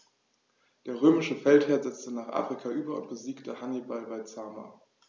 Der römische Feldherr setzte nach Afrika über und besiegte Hannibal bei Zama.